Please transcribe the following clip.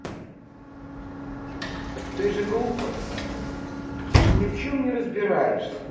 так ты же глупая ты же ни в чем не разбираешься